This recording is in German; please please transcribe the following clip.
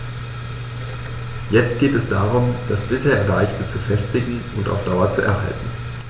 Jetzt geht es darum, das bisher Erreichte zu festigen und auf Dauer zu erhalten.